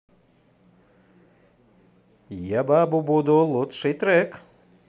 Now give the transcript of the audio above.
я бабубуду лучший трек